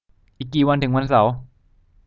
อีกกี่วันถึงวันเสาร์